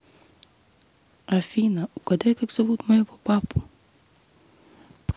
афина у тебя такой приятный голос